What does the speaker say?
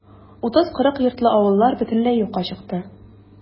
30-40 йортлы авыллар бөтенләй юкка чыкты.